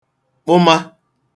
kpụma